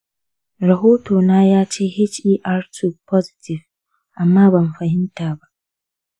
rahotona ya ce her2 positive amma ban fahimta ba.